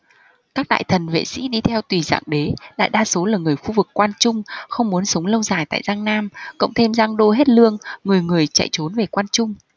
các đại thần vệ sĩ đi theo tùy dạng đế đại đa số là người khu vực quan trung không muốn sống lâu dài tại giang nam cộng thêm giang đô hết lương người người chạy trốn về quan trung